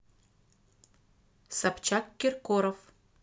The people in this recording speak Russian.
собчак киркоров